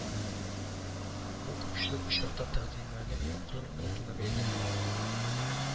Бу күпчелек очракта тәкъдимнәрнең акрын артуына бәйле